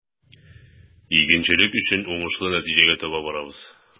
Игенчелек өчен уңышлы нәтиҗәгә таба барабыз.